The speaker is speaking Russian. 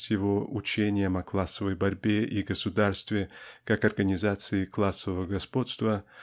с его учением о классовой борьбе и государстве как организации классового господства